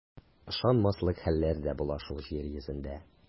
Ышанмаслык хәлләр дә була шул җир йөзендә.